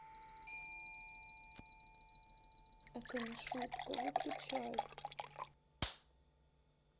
это не шутка выключай